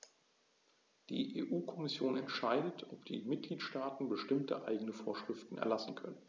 Die EU-Kommission entscheidet, ob die Mitgliedstaaten bestimmte eigene Vorschriften erlassen können.